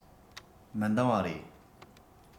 མི འདང བ རེད